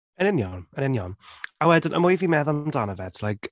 Yn union, yn union. A wedyn y mwy fi’n meddwl amdano fe, it’s like...